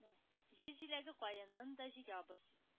Җир җиләге, каенын да җыябыз.